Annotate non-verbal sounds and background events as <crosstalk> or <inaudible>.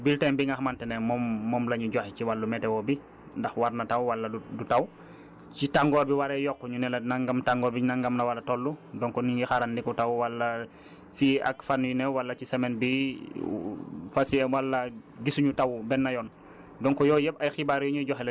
dañ lay jox mooy bulletin bi nga xamante ne moom moom la ñu joxe ci wàllu météo bi ndax war na taw wala du taw su tàngoor bi waree yokku ñu ne la nangam tàngoor bi nangam la war a toll donc ñu ngi xaarandiku taw wala fii ak fan yu néew wala semaine bii <hesitation> fas yé wala gisuñu taw benn yoon